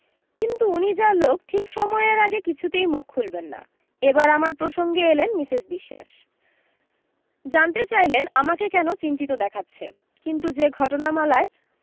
কিন্তু উনি যা লোক ঠিক সময়ের আগে কিছুতেই মুখ খুলবেন না এবার আমার প্রসঙ্গে এলেন মিসেস বিশোয়াস জানতে চাইলেন আমাকে কেন চিন্তিত দেখাচ্ছে কিন্তু যে ঘটনামালায়